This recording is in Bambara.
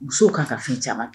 Muso kan ka fɛn caman